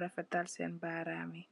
refetal sen baram yi.